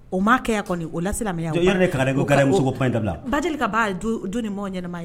O ma kɛ a kɔni o la silamɛya yɔrɔ ne ye kangari da i ye ko gardien muso ko kuma in dabila Bajelika Ba ye duu du nin mɔɔ ɲɛnɛma ye